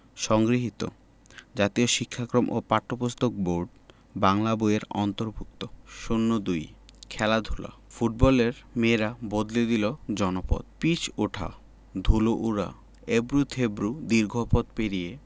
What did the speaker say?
সংগৃহীত জাতীয় শিক্ষাক্রম ও পাঠ্যপুস্তক বোর্ড বাংলা বই এর অন্তর্ভুক্ত ০২ খেলাধুলা ফুটবলের মেয়েরা বদলে দিল জনপদ পিচ ওঠা ধুলো ওড়া এবড়োথেবড়ো দীর্ঘ পথ পেরিয়ে